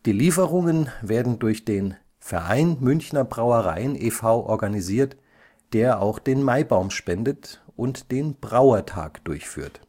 Lieferungen werden durch den Verein Münchener Brauereien e. V. organisiert, der auch den Maibaum spendet und den Brauertag durchführt